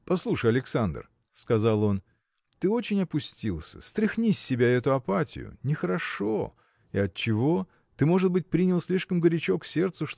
– Послушай, Александр, – сказал он, – ты очень опустился. Стряхни с себя эту апатию. Нехорошо! И отчего? Ты может быть принял слишком горячо к сердцу